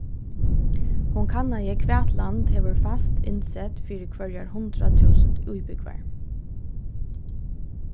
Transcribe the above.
hon kannaði hvat land hevur fast innsett fyri hvørjar hundrað túsund íbúgvar